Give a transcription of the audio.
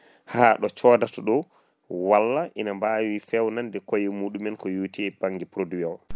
ha ɗo codata ɗo walla ene mbawi fewnande koye muɗumen ko yowiti e banggue produit o